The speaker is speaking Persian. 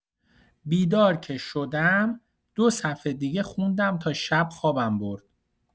بیدار که شدم، دو صفحه دیگه خوندم تا شب خوابم برد.